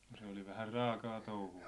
no se oli vähän raakaa touhua